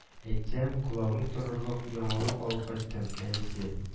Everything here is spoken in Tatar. — әйтсәм, колагың торырлык яңалык алып кайттым, әнисе